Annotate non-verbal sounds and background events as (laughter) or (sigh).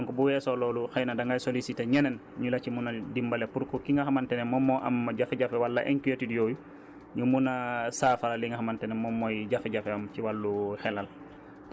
donc bu weesoo loolu xëy na dangay soliciter ñeneen ñu la ci mun a dimbale pour que ki nga xamante ne moom moo am jafe-jafe wala inquiétudes yooyu ñu mun a (hesitation) saafara li nga xamante ne moom mooy jafe-jafe wam ci wàllu xelal